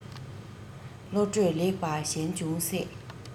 བློ གྲོས ལེགས པ གཞན འབྱུང སྲིད